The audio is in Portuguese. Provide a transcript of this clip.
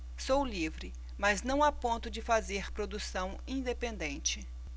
sou livre mas não a ponto de fazer produção independente